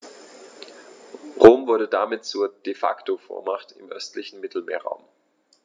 Rom wurde damit zur ‚De-Facto-Vormacht‘ im östlichen Mittelmeerraum.